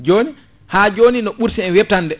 joni ha joni no ɓuurta e wettande